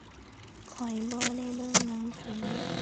ข้อยบ่ได้เบิ่งหนังสือ